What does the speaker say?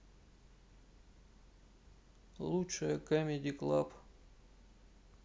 лучшее камеди клаб